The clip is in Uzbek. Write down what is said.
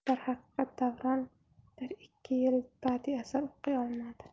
darhaqiqat davron bir ikki yil badiiy asar o'qiy olmadi